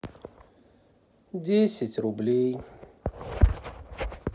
десять рублей